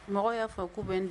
Mɔgɔw y'a fɔ ko bɛ n